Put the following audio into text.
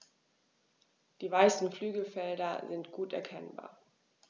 Die weißen Flügelfelder sind gut erkennbar.